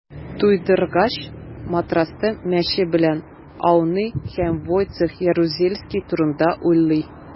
Туйдыргач, матраста мәче белән ауный һәм Войцех Ярузельский турында уйлый.